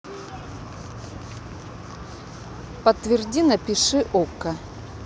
подтверди напиши okko